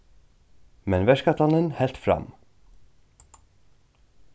men verkætlanin helt fram